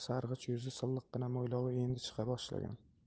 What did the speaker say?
sarg'ish yuzi silliqqina mo'ylovi endi chiqa boshlagan